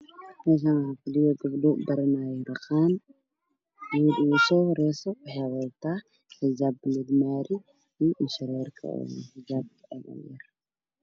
Meeshaan waxaa fadhiyo gabdho baranaayo harqaan. Gabadha ugu soo horeeyso waxay wadataa xijaab buluug maari ah iyo indho shareer.